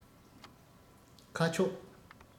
ཁ ཕྱོགས